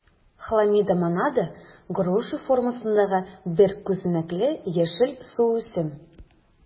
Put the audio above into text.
Хламидомонада - груша формасындагы бер күзәнәкле яшел суүсем.